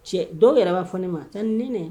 Cɛ dɔw kɛra b'a fɔ ne ma taa nɛnɛ